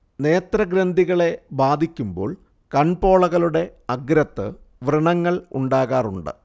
നേത്രഗ്രന്ഥികളെ ബാധിക്കുമ്പോൾ കൺപോളകളുടെ അഗ്രത്ത് വ്രണങ്ങൾ ഉണ്ടാകാറുണ്ട്